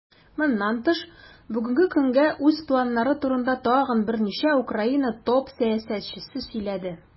Моннан тыш, бүгенге көнгә үз планнары турында тагын берничә Украина топ-сәясәтчесе сөйләде.